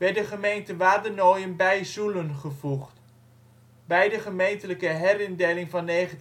de gemeente Wadenoijen bij Zoelen gevoegd. Bij de gemeentelijke herindeling van 1978